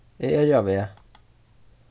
eg eri á veg